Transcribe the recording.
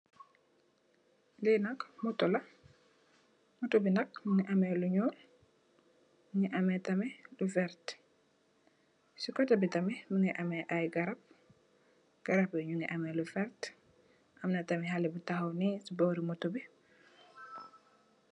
Lii nak moto la, moto bi nak mungi ameh lu ñuul, mungi ameh tamih lu vert, si kote bi tamih mungi ameh aye garap, garap yu mungi ameh lu vert, amna tamih halle bu tahaw nii si bori moto bi.